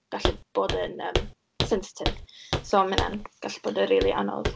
gallu bod yn, yym, sensitif. So ma' hynna'n gallu bod yn rili anodd. A wedyn